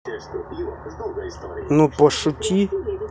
ну пошути